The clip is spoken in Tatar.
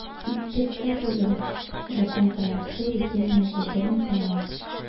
Искәртеп узабыз, закон проекты ике маддәдән тора.